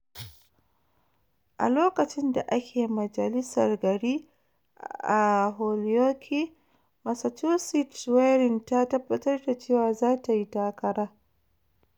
A lokacin da ake majalisar gari a Holyoke, Massachusetts, Warren Ta tabbatar da cewa za ta yi takara.